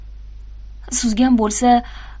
suzgan bo'lsa